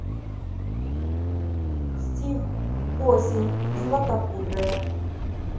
стих осень златокудрая